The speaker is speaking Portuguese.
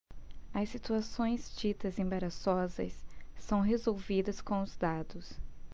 as situações ditas embaraçosas são resolvidas com os dados